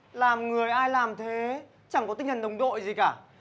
làm người ai làm thế chẳng có tinh thần đồng đội gì cả